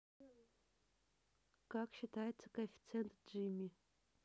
как считается коэффициент джимми